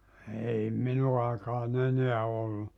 ei minun aikaan enää ollut